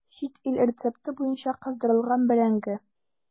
Чит ил рецепты буенча кыздырылган бәрәңге.